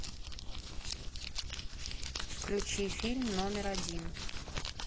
включи фильм номер один